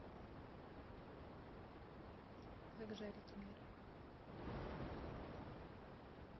как жарить мир